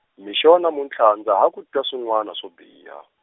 mixo wa namutlha ndza ha ku twa swin'wana swo biha.